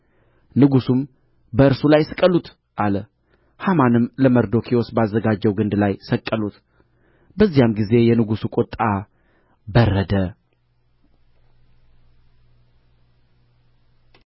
ንጉሡም በእርሱ ላይ ስቀሉት አለ ሐማንም ለመርዶክዮስ ባዘጋጀው ግንድ ላይ ሰቀሉት በዚያም ጊዜ የንጉሡ ቍጣ በረደ